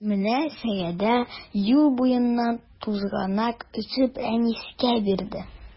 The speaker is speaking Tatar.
Менә Сәгъдә юл буеннан тузганак өзеп Рәнискә бирде.